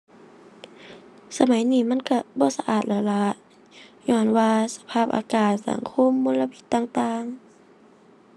สมัยนี้มันก็บ่สะอาดแล้วล่ะ ญ้อนว่าสภาพอากาศ สังคม มลพิษต่างต่าง